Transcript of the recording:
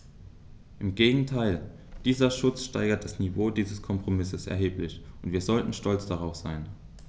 Im Gegenteil: Dieser Schutz steigert das Niveau dieses Kompromisses erheblich, und wir sollten stolz darauf sein.